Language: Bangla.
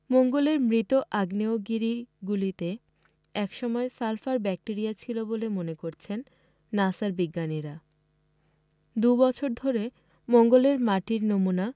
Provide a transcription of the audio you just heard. মঙ্গলের মৃত আগ্নেয়গিরিগুলিতে এক সময় সালফার ব্যাকটেরিয়া ছিল বলে মনে করছেন নাসার বিজ্ঞানীরা দুবছর ধরে মঙ্গলের মাটির নমুনা